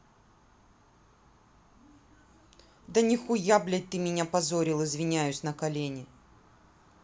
да нихуя блядь ты меня позорил извиняюсь на колени